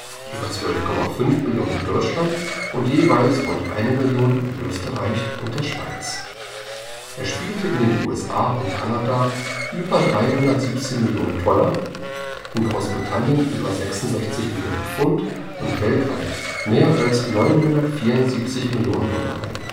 über 12,5 Millionen in Deutschland und jeweils rund 1 Million in Österreich und der Schweiz. Er spielte in den USA und Kanada über 317 Mio. $, in Großbritannien über 66 Mio. £ und weltweit mehr als 974 Mio. $ ein